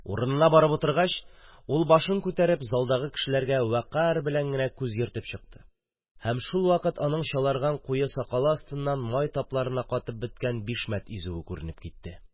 Урынына барып утыргач, ул башын күтәреп залдагы кешеләргә вәкарь генә күз йөртеп чыкты, һәм шул вакыт аның чаларган куе сакалы астыннан май тапларына катып беткән бишмәт изүе күренеп китте...